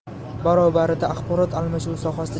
barobarida axborot almashuvi sohasida